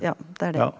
ja det er det.